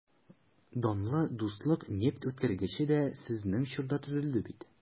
Данлы «Дуслык» нефтьүткәргече дә сезнең чорда төзелде бит...